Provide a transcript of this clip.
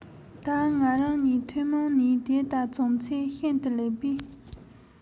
ད ང རང གཉིས ཐུན མོང ནས དེ ལྟར བྱུང ཚེ ཤིན ཏུ ལེགས པས